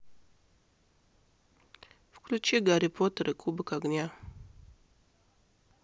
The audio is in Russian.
включи гарри поттер и кубок огня